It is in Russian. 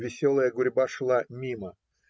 Веселая гурьба шла мимо